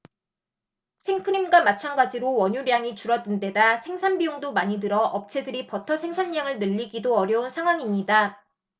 생크림과 마찬가지로 원유량이 줄어든데다 생산 비용도 많이 들어 업체들이 버터 생산량을 늘리기도 어려운 상황입니다